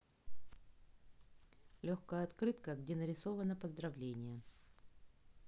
легкая открытка где нарисовано поздравление